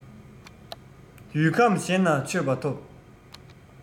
ཡུལ ཁམས གཞན ན མཆོད པ ཐོབ